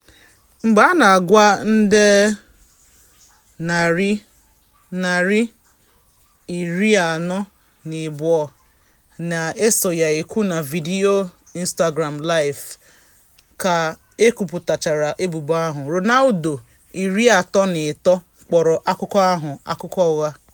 Mgbe ọ na-agwa nde 142 ndị na-eso ya okwu na vidiyo Instagram Live ka ekwuputachara ebubo ahụ, Ronaldo, 33, kpọrọ akụkọ ahụ “akụkọ ụgha.”